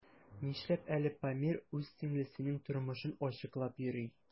Нишләп әле Памир үз сеңлесенең тормышын ачыклап йөри?